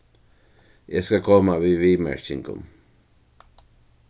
eg skal koma við viðmerkingum